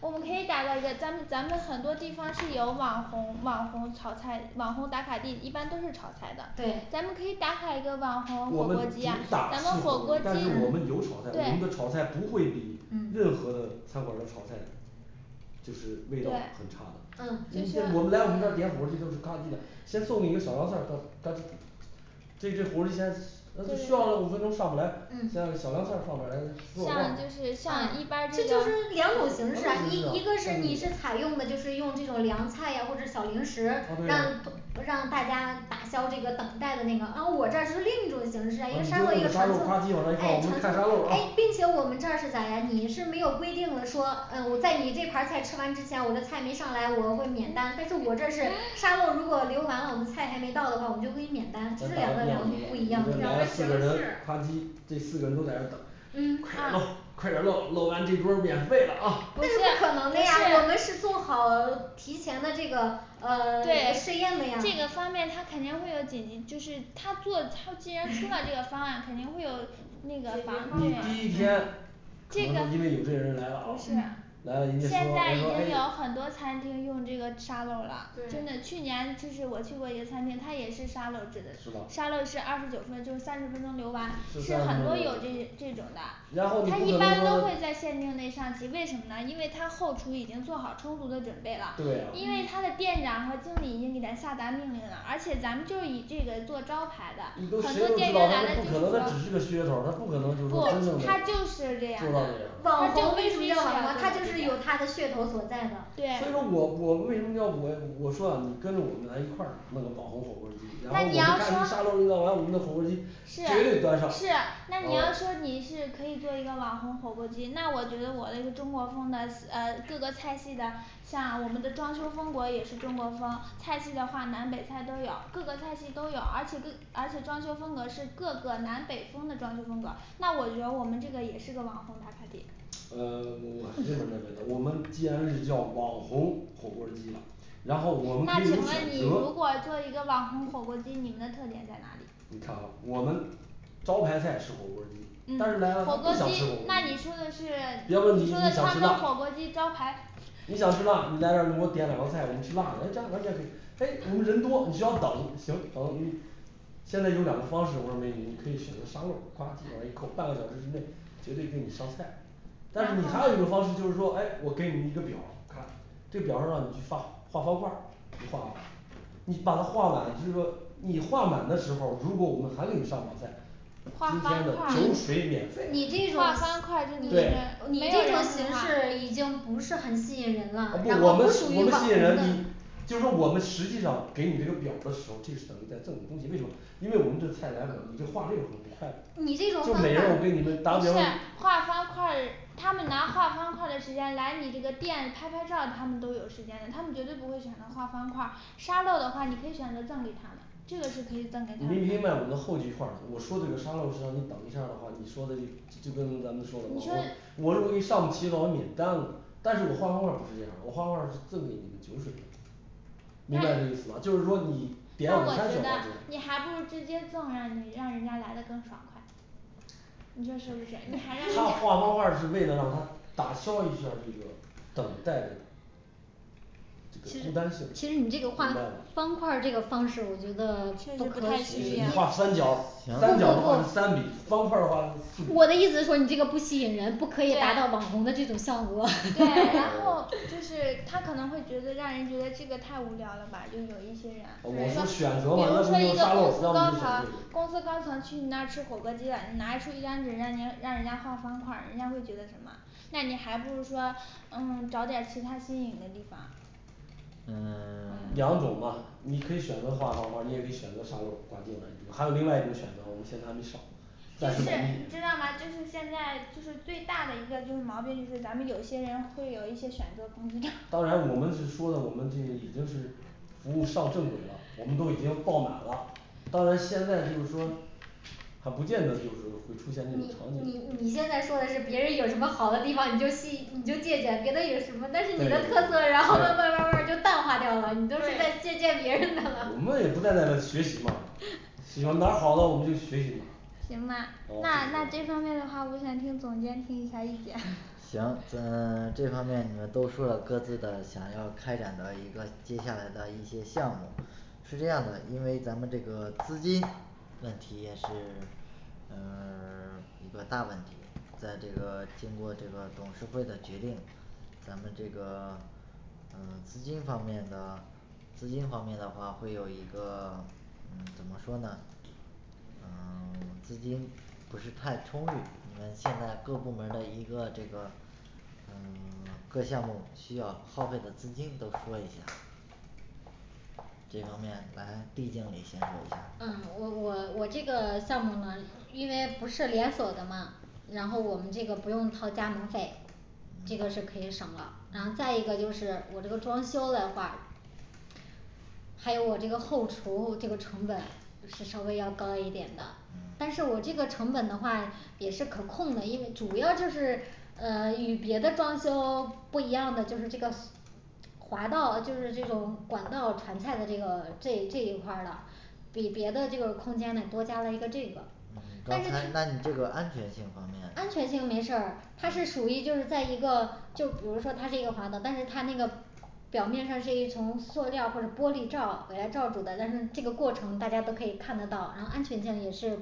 我们可以打造一个咱们咱们很多地方是有网红网红炒菜，网红打卡地一般都是炒菜的对咱们可以打卡一个网红火我们锅儿主鸡呀反打正是火火锅锅儿儿鸡但鸡是我们有炒菜我们的对炒菜不会比嗯任何的餐馆儿的炒菜就是味道对很差的嗯这只火锅儿鸡先像就是像一般这个呃那就是啊是你的啊对呀两个形式嗯快点儿漏啊快点儿漏漏完这桌儿免费了啊这不是不可是能的呀我们是做好提前的那个呃 那个对实验的呀这个方面他肯定会有紧急，就是他做他既然出了这个方案，肯定会有那个解决方你法第一天可这能是个因为有些人来了啊不是嗯来了人家说现在已诶说经诶有很多餐厅用这个沙漏啦，真的，对去年就是我去过一个餐厅，他也是沙漏制的是吧沙漏制二十九分钟三十分钟流完是三十分是很钟多流有完这这种的然后你它不一可能般都说会在限定内上齐为什么呢因为他后厨已经做好充足的准备对了啊因为嗯他的店长和经理已经给他下达命令了，而且咱们就以这个做招牌的你都很谁多都店知道员来了他就就不可能他只个是噱说头儿他不可能就不说真正他的就是这做到这样样的的网红必须要它就是有它的噱头所在的所以说对我我为什么叫我我说啊你跟着我们来一块儿弄个网红火锅儿鸡然后我但你要们看说这沙漏漏完我们的火锅儿鸡绝是对端上是那你要啊说你是可以做一个网红火锅鸡那我觉得我的一个中国风的呃各个菜系的像我们的装修风格也是中国风菜系的话，南北菜都有，各个菜系都有，而且跟而且装修风格是各个南北风的装修风格，那我觉得我们这个也是个网红打卡地呃我我是这么认为的，我们既然是叫网红火锅儿鸡了，然后我们可那请以问你有选如择果做一个网红火锅鸡，你们的特点在哪里？你看啊我们招牌菜吃火锅儿嗯鸡，但是来了他火锅不儿想吃火鸡锅那儿你鸡说的是比方说你你说的你想沧吃州辣火锅儿鸡招牌你想吃辣，你来这儿你给我点两个菜我们吃辣的，哎这样完全可以，诶我们人多你需要等行等你现在有两个方式，我说美女你可以选择沙漏儿，呱唧往上一扣，半个小时之内绝对给你上菜但是你还有一种方式就是说哎我给你一个表儿看，这表儿上让你去画画方块儿你画吧，你把它画满，只是说你画满的时候儿，如果我们还给你上不了菜画方今块天的儿酒水免费你这种对你这种形式已经不是很吸引人了啊不我们我不吸引人你就每个人我给你们打比方沙漏的话你可以选择赠给他们这个是可以赠给他们你说明白这意思吧？就是说你就点我午餐需觉要包得间你还不如直接赠让你让人家来的更爽快你说是不是你还让人他家画方块儿是为了让他打消一下儿这个等待的这其个孤单性其实你这明个白画吗方块儿这个方式我觉确实不不太可没事以你画三角儿，三行角儿的话是三笔，方块儿的话是四我笔的意思是说你这个不吸引人不可以达到对网红的这种效果 哦呃我说选择嘛要不就有沙漏要不就选这个那你还不如说嗯找点儿其他新颖的地方呃 两种吧你可以选择画方块儿，你也可以选择沙漏儿管进门，还有另外一种选择我们现在还没上就暂是时保你密知道吗就是现在就是最大的一个就是毛病就是咱们有些人会有一些选择恐惧症 当然我们是说的我们这已经是服务上正轨了，我们都已经爆满了。当然现在就是说他不见得就是会出现那种场景对对对我们也不断在学习嘛喜欢哪儿好了我们就学习哪儿行吧哦就那那这是这样子方面的话，我想听总监听一下儿意见 呃 一个大问题，在这个经过这个董事会的决定，咱们这个呃资金方面的资金方面的话会有一个嗯怎么说呢嗯 资金不是太充裕，你们现在各部门儿的一个这个嗯 各项目需要耗费的资金都说一下儿这方面来D经理来先说一下嗯我我我我这个项目呢因为不是连锁的嘛，然后我们这个不用掏加盟费这个是嗯可以省的。然后再一个就是我这个装修的话还有我这个后厨这个成本是稍微要高一点的，嗯但是我这个成本的话也是可控的，因为主要就是呃与别的装修不一样的就是这个滑道就是这种管道传菜的这个这这一块儿的，比别的这个空间呢多加了一个这个嗯但刚才是那你这个安全性方面安全性没事儿它是属于就是在一个就比如说它这个滑道但是它那个表面上是一种塑料或者玻璃罩来罩住的，但是这个过程大家都可以看得到，然后安全性也是